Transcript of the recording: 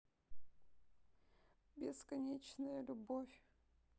бесконечная любовь